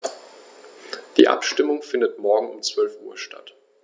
Die Abstimmung findet morgen um 12.00 Uhr statt.